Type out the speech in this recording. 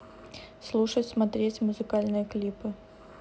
слушать смотреть музыкальные клипы